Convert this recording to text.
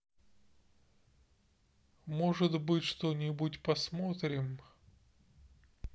может быть что нибудь посмотрим